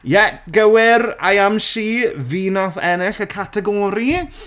Ie, gywir, I am she fi wnaeth ennill y categori